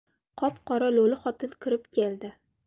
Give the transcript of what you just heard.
qop qora lo'li xotin kirib keldi